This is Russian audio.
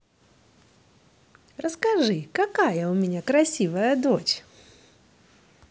расскажи какая у меня красивая дочь